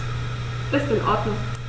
Ist in Ordnung.